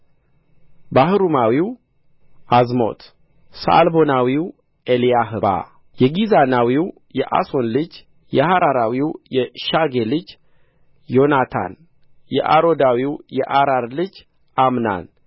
ባሕሩማዊው ዓዝሞት ሰዓልቦናዊው ኤሊያሕባ የጊዞናዊው የአሳን ልጆች የሃራራዊው የሻጌ ልጅ ዮናታን የአሮዳዊው የአራር ልጅ አምናን